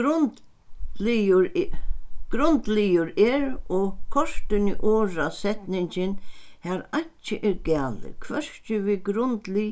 grundliður grundliður er og kortini orða setningin har einki er galið hvørki við grundlið